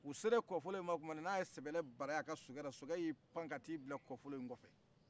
o selen kɔbolo la tumaninna n'a ye sogɛlɛ bali a ka sokɛ la sokɛ y'i pan ka t'i bila kɔfolo yin kɔfɛ